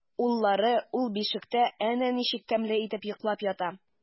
Уллары ул бишектә әнә ничек тәмле итеп йоклап ята!